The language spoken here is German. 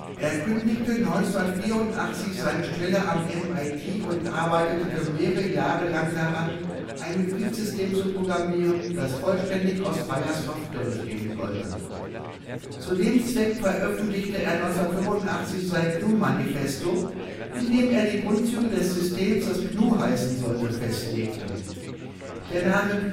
Er kündigte 1984 seine Stelle am MIT und arbeitete mehrere Jahre lang daran, ein Betriebssystem zu programmieren, das vollständig aus freier Software bestehen sollte. Zu dem Zweck veröffentlichte er 1985 sein GNU Manifesto, in dem er die Grundzüge des Systems, das GNU heißen sollte, festlegte. Der Name GNU